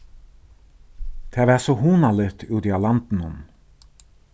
tað var so hugnaligt úti á landinum